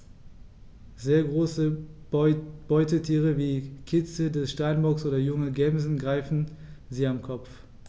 Sehr große Beutetiere wie Kitze des Steinbocks oder junge Gämsen greifen sie am Kopf.